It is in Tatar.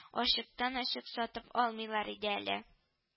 Ачыктан-ачык сатып алмыйлар иде әле